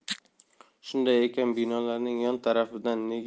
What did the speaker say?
shunday ekan binolarning yon tarafidan